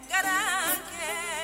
Sirajɛ